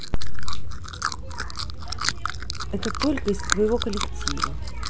что только из своего коллектива